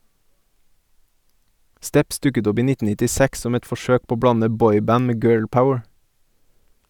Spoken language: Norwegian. Steps dukket opp i 1996 som et forsøk på å blande boyband med girlpower.